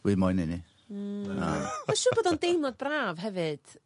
Wi moyn neu' 'ny. Na. Ma'n siŵr bod o'n deimlad braf hefyd.